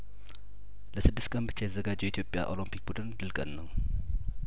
ለስድስት ቀን ብቻ የተዘጋጀው የኢትዮጵያ ኦሎምፒክ ቡድን ድል ቀናው